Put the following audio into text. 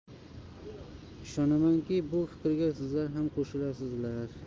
ishonamanki bu fikrga sizlar ham qo'shilasiz